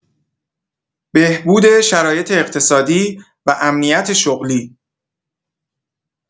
بهبود شرایط اقتصادی و امنیت شغلی